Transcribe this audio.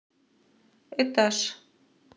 этаж